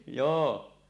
joo